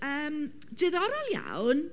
Yym diddorol iawn.